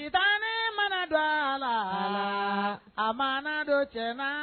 Tan mana dɔgɔ a la a madon joona